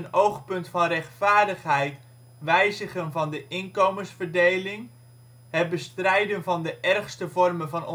oogpunt van rechtvaardigheid wijzigen van de inkomensverdeling. Het bestrijden van de ergste vormen van